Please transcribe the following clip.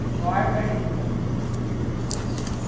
í gjár var illveður